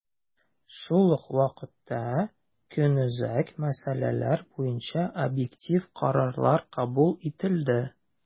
Шул ук вакытта, көнүзәк мәсьәләләр буенча объектив карарлар кабул ителде.